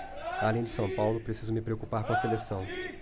além do são paulo preciso me preocupar com a seleção